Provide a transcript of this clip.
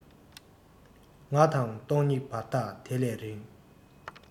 ང དང སྟོང ཉིད བར ཐག དེ ལས རིང